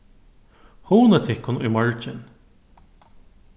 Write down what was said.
hugnið tykkum í morgin